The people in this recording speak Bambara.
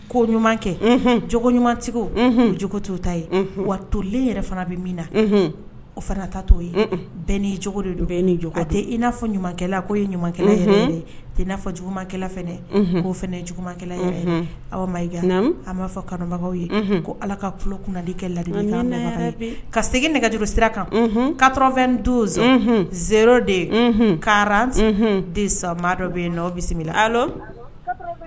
Ko ɲumankɛ j ɲumantigiw jogo to wa tolen yɛrɛ fana bɛ min na o fana ta to ye bɛɛ' cogo jɔ tɛ i n'a fɔ ɲuman ko ye ɲumankɛ yɛrɛ na fɔ jugumankɛ o jugumankɛla aw ma i an b'a fɔ kanubagaw ye ko ala ka ku kundi kɛ ladi ka segin nɛgɛjuru sira kan kafɛn done ze de yen ka desa maa dɔ bɛ yen bisimila